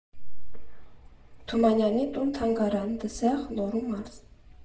Թումանյանի տուն֊թանգարան, Դսեղ, Լոռու մարզ։